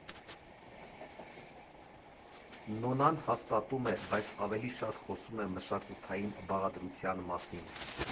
Նոնան հաստատում է, բայց ավելի շատ խոսում է մշակութային բաղադրության մասին.